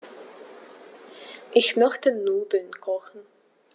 Ich möchte Nudeln kochen.